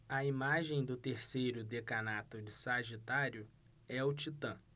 a imagem do terceiro decanato de sagitário é o titã